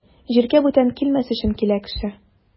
Җиргә бүтән килмәс өчен килә кеше.